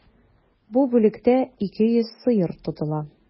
Бу бүлектә 200 сыер тотыла.